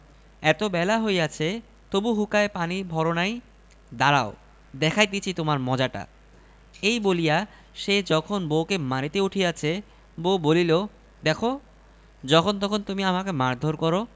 রহিম ঘুম হইতে উঠিয়া বলিল আমার হুঁকায় পানি ভরিয়াছ বউ বলিল তুমি তো ঘুমাইতেছিলে তাই হুঁকায় পানি ভরি নাই এই এখনই ভরিয়া দিতেছি রহিম চোখ গরম করিয়া বলিল